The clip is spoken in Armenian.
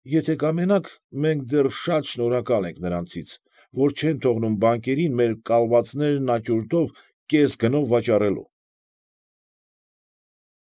Եթե կամենաք, մենք դեռ շնորհակալ ենք նրանցից, որ չեն թողնում բանկերին մեր կալվածներն աճուրդով կես գնով վաճառելու։